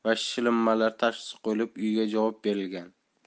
va shilinmalar tashxisi qo'yilib uyiga javob berilgan